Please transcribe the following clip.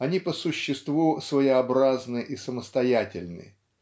они по существу своеобразны и самостоятельны.